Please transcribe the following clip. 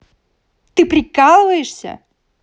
ты прикалываешься